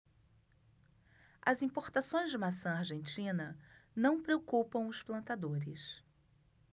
as importações de maçã argentina não preocupam os plantadores